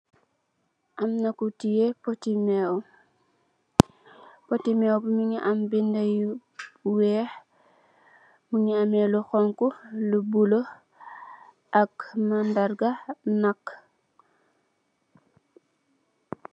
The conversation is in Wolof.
Am na ku teyeh Poti mew, Poti mew bi mugii am bindé yu wèèx, mugii ameh lu xonxu lu bula ak mandarga nak.